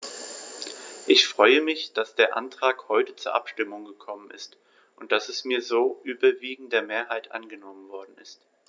Ich freue mich, dass der Antrag heute zur Abstimmung gekommen ist und dass er mit so überwiegender Mehrheit angenommen worden ist.